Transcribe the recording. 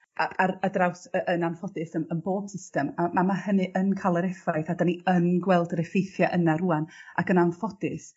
a- ar ar draws yy yn anffodus yn yn bob system a ma' ma' hynny yn ca'l yr effaith a 'dyn gweld yr effeithie yna rŵan ac yn anffodus